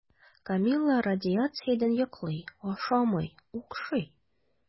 Камилла радиациядән йоклый, ашамый, укшый.